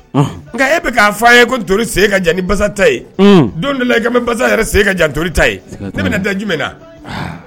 Nka e bɛ k'a fɔ a ye nto sen ka jan nisa ta ye don dɔla e kasa yɛrɛ sen ka janto ta ye ne bɛna da jumɛnɛna